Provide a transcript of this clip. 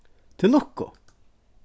til lukku